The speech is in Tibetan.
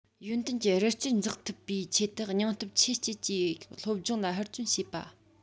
ཡོན ཏན གྱི རི རྩེར འཛེག ཐུབ པའི ཆེད དུ སྙིང སྟོབས ཆེ བསྐྱེད ཀྱིས སློབ སྦྱོང ལ ཧུར བརྩོན བྱེད པ